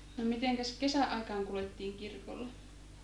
no mitenkäs kesäaikaan kuljettiin kirkolla